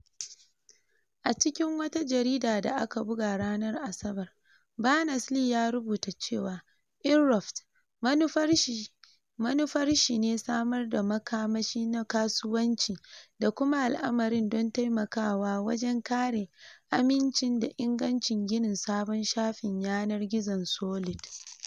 A cikin wata jarida da aka buga a ranar Asabar, Berners-Lee ya rubuta cewa "Inrupt" manufar shi ne samar da makamashi na kasuwanci da kuma al'amarin don taimakawa wajen kare amincin da ingancin ginin sabon shafin yanar gizon Solid. "